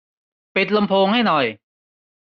ปิดลำโพงให้หน่อย